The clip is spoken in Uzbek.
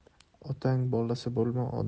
otang bolasi bo'lma